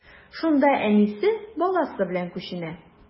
Шунда әнисе, баласы белән күченә.